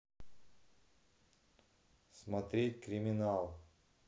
смотреть криминал